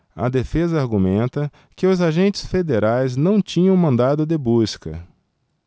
a defesa argumenta que os agentes federais não tinham mandado de busca